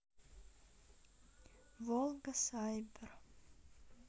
волга сайбер